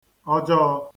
ọjọọ̄